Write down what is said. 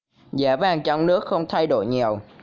giá vàng trong nước không thay đổi nhiều